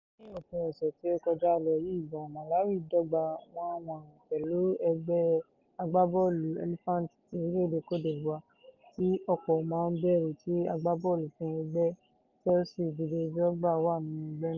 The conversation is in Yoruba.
Ní òpin ọ̀sẹ̀ tí ó kọjá lọ yìí gan, Malawi dọ́gba 1-1 pẹ̀lú ẹgbẹ́ agbábọ́ọ̀lù Elephants ti orílẹ̀-èdè Cote d'Ivoire tí ọ̀pọ̀ máa ń bẹ̀rù tí agbábọ́ọ̀lù fún ẹgbẹ́ Chelsea Didier Drogba wà nínú ẹgbẹ́ náà.